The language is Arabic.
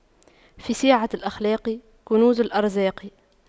في سعة الأخلاق كنوز الأرزاق